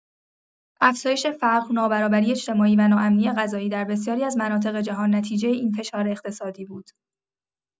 افزایش فقر، نابرابری اجتماعی و ناامنی غذایی در بسیاری از مناطق جهان نتیجه این فشار اقتصادی بود.